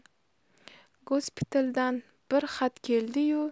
gospitaldan bir xat keldi yu